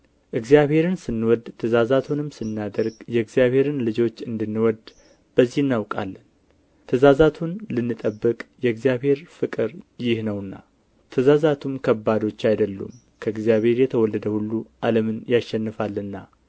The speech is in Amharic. እግዚአብሔርን ስንወድ ትእዛዛቱንም ስናደርግ የእግዚአብሔርን ልጆች እንድንወድ በዚህ እናውቃለን ትእዛዛቱን ልንጠብቅ የእግዚአብሔር ፍቅር ይህ ነውና ትእዛዛቱም ከባዶች አይደሉም ከእግዚአብሔር የተወለደ ሁሉ ዓለምን ያሸንፋልና